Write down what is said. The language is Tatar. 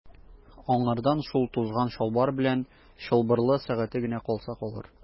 Аңардан шул тузган чалбар белән чылбырлы сәгате генә калса калыр.